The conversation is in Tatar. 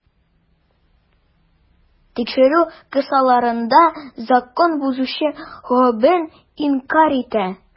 Тикшерү кысаларында закон бозучы гаебен инкарь итә.